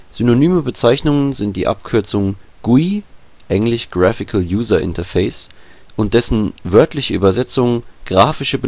Synonyme Bezeichnungen sind die Abkürzung GUI (englisch Graphical User Interface) und dessen wörtliche Übersetzung grafische